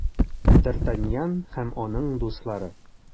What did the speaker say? Д’Артаньян һәм аның дуслары.